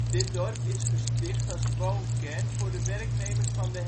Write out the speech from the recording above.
Dit dorp is gesticht als woonkern voor de werknemers van de